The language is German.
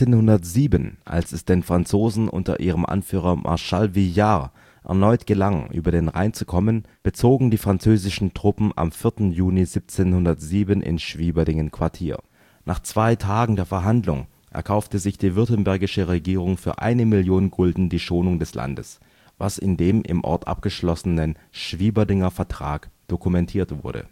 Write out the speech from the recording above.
1707, als es den Franzosen unter ihrem Anführer Marschall Villars erneut gelang, über den Rhein zu kommen, bezogen die französischen Truppen am 4. Juni 1707 in Schwieberdingen Quartier. Nach zwei Tagen der Verhandlung erkaufte sich die württembergische Regierung für eine Million Gulden die Schonung des Landes, was in dem im Ort abgeschlossenen Schwieberdinger Vertrag dokumentiert wurde